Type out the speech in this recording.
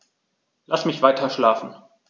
Lass mich weiterschlafen.